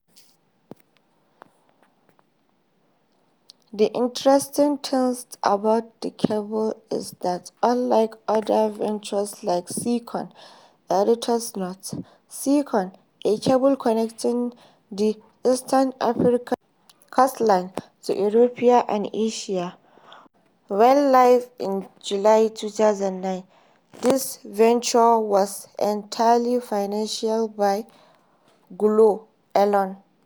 The interesting thing about the cable is that unlike other ventures like Seacom [Editor's Note: Seacom, a cable connecting the eastern African coastline to Europe and Asia, went live in July 2009], this venture was entirely financed by Glo alone.